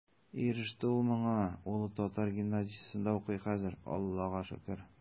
Иреште ул моңа, улы татар гимназиясендә укый хәзер, Аллаһыга шөкер.